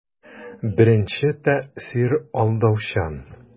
Беренче тәэсир алдаучан.